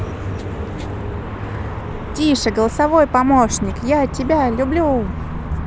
тише голосовой помощник я тебя люблю